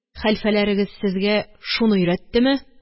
Хәлфәләрегез сезгә шуны өйрәттеме?